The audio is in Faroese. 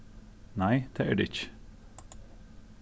nei tað er tað ikki